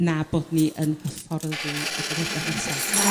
na bod ni yn hyfforddi y genhedlaeth nesa'.